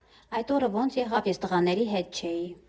Այդ օրը ոնց եղավ, ես տղաների հետ չէի։